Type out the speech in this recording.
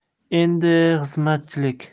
endi xizmatchilik